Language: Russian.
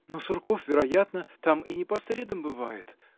– Но Сурков, вероятно, там и не по средам бывает